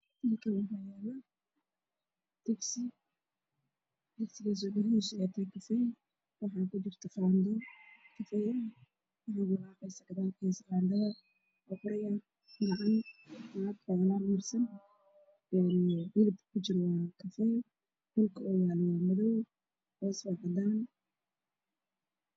Meeshaani nin dhakhtar ayaa jooga dharcad aan ay wataa caddaan ay wadaan